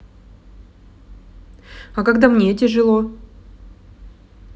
а когда мне тяжело